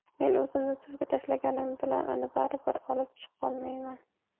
men o'zimni suvga tashlaganim bilan uni bari bir olib chiqolmayman